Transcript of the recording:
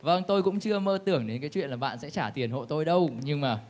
vâng tôi cũng chưa mơ tưởng đến cái chuyện là bạn sẽ trả tiền hộ tôi đâu nhưng mà